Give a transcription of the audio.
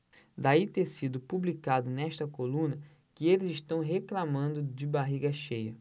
daí ter sido publicado nesta coluna que eles reclamando de barriga cheia